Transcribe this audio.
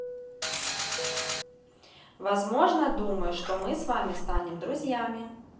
возможно думаю что мы с вами станем друзьями